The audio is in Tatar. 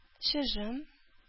Чыжым